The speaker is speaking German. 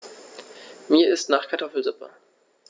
Mir ist nach Kartoffelsuppe.